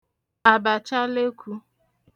àbàchalekụ̄